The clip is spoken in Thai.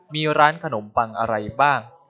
มีร้านขนมปังอะไรบ้าง